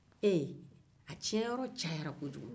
ee a tiɲɛ cayala kojugu